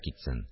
Китсен